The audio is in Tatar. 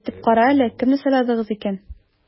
Әйтеп кара әле, кемне сайладыгыз икән?